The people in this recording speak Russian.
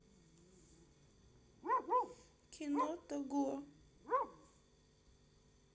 кино того